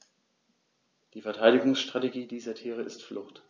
Die Verteidigungsstrategie dieser Tiere ist Flucht.